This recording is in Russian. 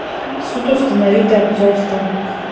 суд установите отцовство